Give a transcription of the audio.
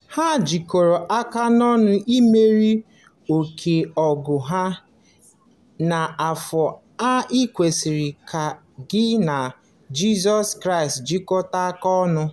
Ha jikọrọ aka ọnụ imeri oke ọgụ ahụ... n'afọ a i kwesịrị ka gị na Jesu Kristi jikọọ aka ọnụ